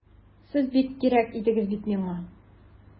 Сез бик кирәк идегез бит миңа!